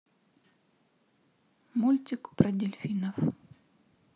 мультик про дельфинов